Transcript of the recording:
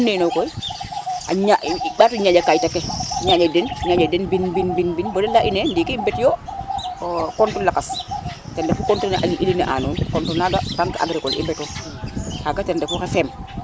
comme nene yo koy a ñaƴ i mbato ñaƴa kaytake ñaƴa den mbin bin bin bada leya ine mbet yo o compte lakas ten refu compte le Ely ne a nuun compte naga baque agricole i mbetun kaga ten refu xe Fem